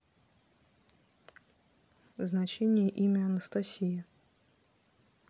значение имя анастасия